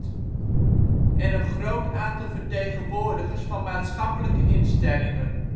en een groot aantal vertegenwoordigers van maatschappelijke instellingen